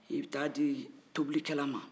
i bɛ taa di tɔbilikɛla ma